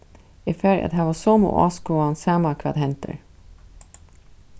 eg fari at hava somu áskoðan sama hvat hendir